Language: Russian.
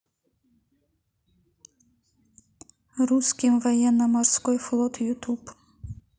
русский военно морской флот ютуб